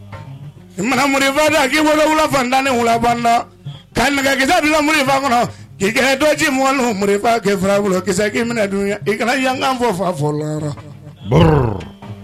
Fatankisɛ la